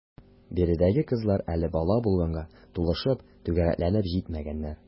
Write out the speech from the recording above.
Биредәге кызлар әле бала гына булганга, тулышып, түгәрәкләнеп җитмәгәннәр.